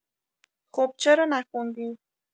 خب چرا نخوندی؟